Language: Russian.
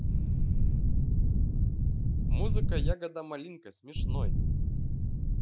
музыка ягода малинка смешной